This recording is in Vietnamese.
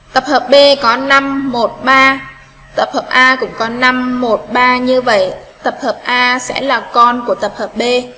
tập hợp b có tập hợp a gồm có ba như tập hợp a sẽ là con của tập hợp b